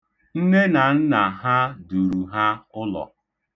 Nnenanna ha duru ha ụlọ.